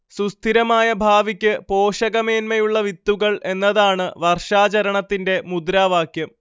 സുസ്ഥിരമായ ഭാവിക്ക് പോഷകമേന്മയുള്ള വിത്തുകൾ എന്നതാണ് വർഷാചരണത്തിന്റെ മുദ്രാവാക്യം